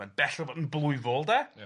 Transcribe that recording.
Mae'n bell o fod yn blwyfol, 'de?... Ia...